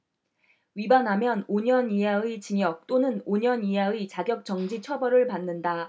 위반하면 오 년 이하의 징역 또는 오 년 이하의 자격정지 처벌을 받는다